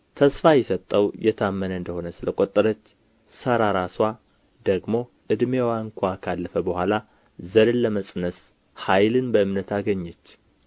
ተስፋ የሰጠው የታመነ እንደ ሆነ ስለ ቈጠረች ሣራ ራስዋ ደግሞ ዕድሜዋ እንኳ ካለፈ በኋላ ዘርን ለመፅነስ ኃይልን በእምነት አገኘች